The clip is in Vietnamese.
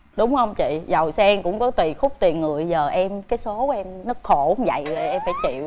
đúng không chị giàu sang cũng có tùy khúc tùy người giờ em cái số em nó khổ như vậy rồi em phải chịu